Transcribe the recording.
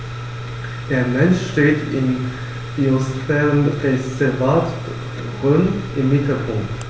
Der Mensch steht im Biosphärenreservat Rhön im Mittelpunkt.